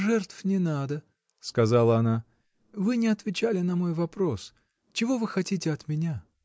— Жертв не надо, — сказала она, — вы не отвечали на мой вопрос: чего вы хотите от меня?